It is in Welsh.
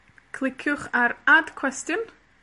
cliciwch ar Add Question